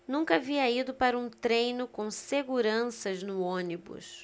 nunca havia ido para um treino com seguranças no ônibus